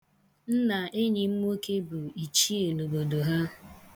Nna enyi m nwoke bụ ichie n'obodo ha.